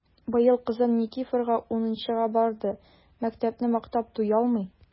Быел кызым Никифарга унынчыга барды— мәктәпне мактап туялмый!